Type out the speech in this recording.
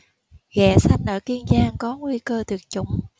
ghẹ xanh ở kiên giang có nguy cơ tuyệt chủng